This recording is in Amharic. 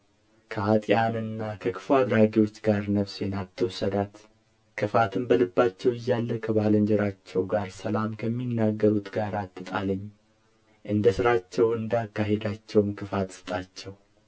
ከኃጥኣንና ከክፉ አድራጊዎች ጋር ነፍሴን አትውሰዳት ክፋትም በልባቸው እያለ ከባልንጀራቸው ጋር ሰላም ከሚናገሩት ጋር አትጣለኝ እንደ ሥራቸው እንደ አካሄዳቸውም ክፉት ስጣቸው